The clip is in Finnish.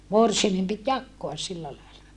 morsiamen piti jakaa sillä lailla